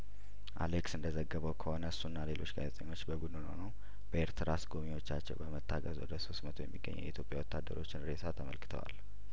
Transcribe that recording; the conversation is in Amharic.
አሌክስ እንደዘገበው ከሆነ እሱና ሌሎች ጋዜጠኞች በቡድን ሆነው በኤርትራ አስጐብኝዎቻቸው በመታገዝ ወደ ሶስት መቶ የሚገኝ የኢትዮጵያ ወታደሮች ሬሳን ተመልክተዋል